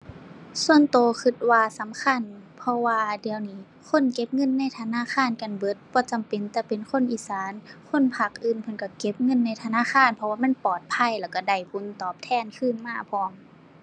ส่วนตัวตัวว่าสำคัญ เพราะว่าเดี๋ยวนี้คนเก็บเงินในธนาคารกันเบิด บ่จำเป็นแต่เป็นคนอีสาน คนภาคอื่นเพิ่นตัวเก็บเงินในธนาคาร เพราะว่ามันปลอดภัยแล้วตัวได้ผลตอบแทนคืนมาพร้อม